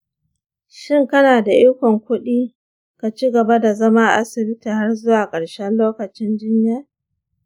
shin kana da ikon kuɗi ka ci gaba da zama a asibiti har zuwa ƙarshen lokacin jinya?